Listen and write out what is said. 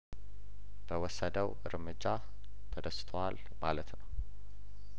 በወሰደው እርምጃ ተደስተዋል ማለት ነው